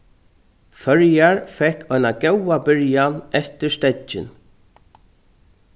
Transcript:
føroyar fekk eina góða byrjan eftir steðgin